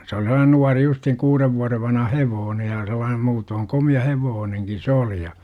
se oli sellainen nuori justiin kuuden vuoden vanha hevonen ja sellainen muuten komea hevonenkin se oli ja